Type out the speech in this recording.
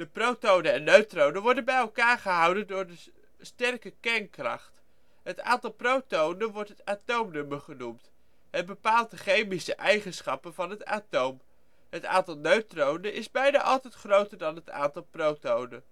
protonen en neutronen worden bij elkaar gehouden door de sterke kernkracht. Het aantal protonen wordt het atoomnummer genoemd. Het bepaalt de chemische eigenschappen van het atoom. Het aantal neutronen is bijna altijd groter dan het aantal protonen